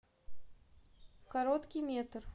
короткий метр